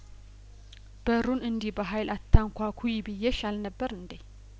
በሩን እንዲህ በሀይል አታንኳኲ ብዬሽ አልነበር እንዴ